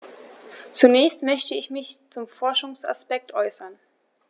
Zunächst möchte ich mich zum Forschungsaspekt äußern.